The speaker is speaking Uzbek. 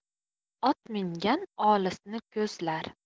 ot mingan olisni ko'zlar